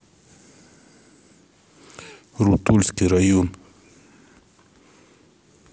рутульский район